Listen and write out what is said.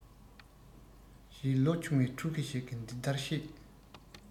ཞེས ལོ ཆུང བའི ཕྲུ གུ ཞིག གི འདི ལྟར གཤས